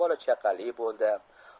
bola chaqali bo'ldi